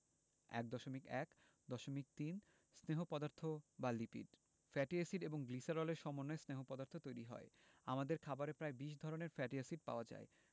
১.১.৩ স্নেহ পদার্থ বা লিপিড ফ্যাটি এসিড এবং গ্লিসারলের সমন্বয়ে স্নেহ পদার্থ তৈরি হয় আমাদের খাবারে প্রায় ২০ ধরনের ফ্যাটি এসিড পাওয়া যায়